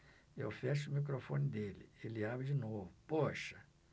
eu fecho o microfone dele ele abre de novo poxa